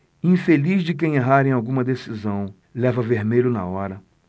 infeliz de quem errar em alguma decisão leva vermelho na hora